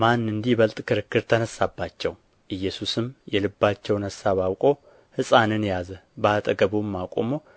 ማን እንዲበልጥ ክርክር ተነሣባቸው ኢየሱስም የልባቸውን አሳብ አውቆ ሕፃንን ያዘ በአጠገቡም አቁሞ